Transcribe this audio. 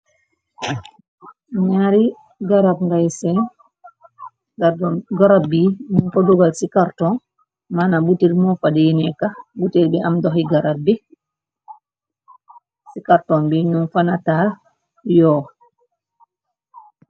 Ñaari garab ngay seen garab bi ñuñ ko du gal ci karton manam butèèl mo fa déé nèkka butèèl bi am doxi garab bi ci karton bi ñu fa nataal yóó.